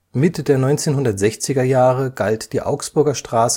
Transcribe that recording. Mitte der 1960er Jahre galt die Augsburger als „ Straße